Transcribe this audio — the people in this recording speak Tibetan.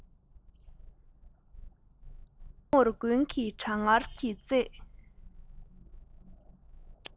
རྩེ མོར དགུན གྱི གྲང ངར གྱིས གཙེས